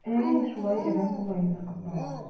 Әй, шулай әрәм була инде кыз бала.